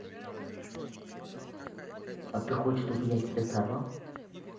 а ты хочешь чтоб я тебя сорвал